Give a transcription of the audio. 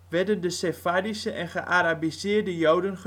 werden de Sefardische en gearabiseerde Joden